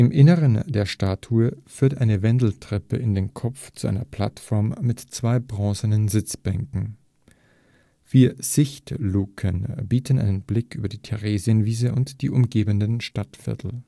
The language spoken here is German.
Inneren der Statue führt eine Wendeltreppe in den Kopf zu einer Plattform mit zwei bronzenen Sitzbänken. Vier Sichtluken bieten einen Blick über die Theresienwiese und die umgebenden Stadtviertel